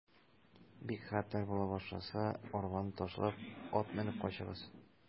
Бик хәтәр була башласа, арбаны ташлап, ат менеп качыгыз.